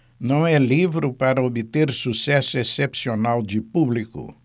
não é livro para obter sucesso excepcional de público